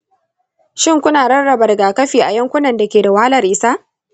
shin kuna rarraba rigakafi a yankunan da ke da wahalar isa?